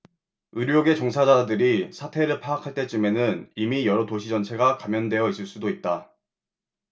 의료계 종사자들이 사태를 파악할 때쯤에는 이미 여러 도시 전체가 감염되어 있을 수도 있다